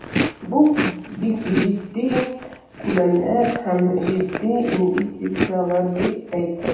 Бу бик җитди күләмнәр һәм җитди инвестицияләр, дип әйтте ул.